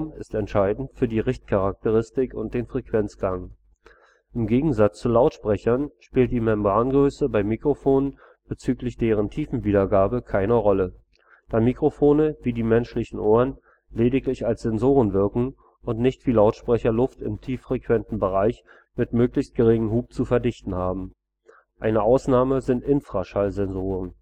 ist entscheidend für die Richtcharakteristik und den Frequenzgang. Im Gegensatz zu Lautsprechern spielt die Membrangröße bei Mikrofonen bezüglich deren Tiefenwiedergabe keine Rolle, da Mikrofone wie die menschlichen Ohren lediglich als Sensoren wirken und nicht wie Lautsprecher Luft im tieffrequenten Bereich mit möglichst geringem Hub zu verdichten haben. Eine Ausnahme sind Infraschall-Sensoren